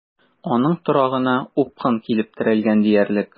Аның торагына упкын килеп терәлгән диярлек.